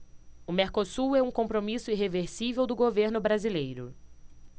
o mercosul é um compromisso irreversível do governo brasileiro